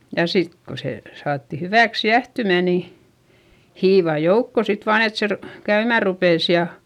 ja sitten kun se saatiin hyväksi jäähtymään niin hiivaa joukkoon sitten vain että se - käymään rupesi ja,